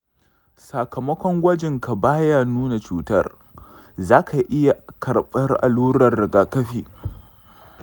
sakamakon gwajinka ba ya nuna cutar, za ka iya karɓar allurar rigakafin.